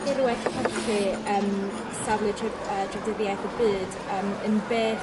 dirwedd llechi yn safle tre- yy treftydieth y byd yym yn beth